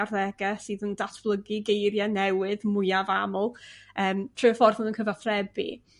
arddege sydd yn datblygu geirie newydd mwyaf aml e trwy y ffordd ma' n'w'n cyfathrebu?